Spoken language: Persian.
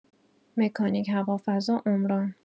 مکانیک، هوافضا، عمران